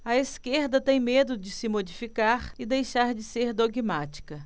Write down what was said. a esquerda tem medo de se modificar e deixar de ser dogmática